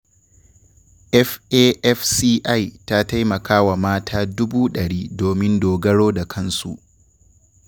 FAFCI ta taimaka wa mata 100,000 domin dogaro da kansu.